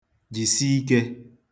jìsi ikē